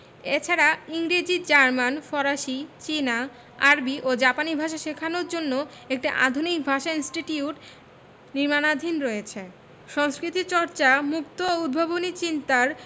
এছাড়া ইংরেজি জার্মান ফরাসি চীনা আরবি ও জাপানি ভাষা শেখানোর জন্য একটি আধুনিক ভাষা ইনস্টিটিউট নির্মাণাধীন রয়েছে সংস্কৃতিচর্চা মুক্ত ও উদ্ভাবনী চিন্তার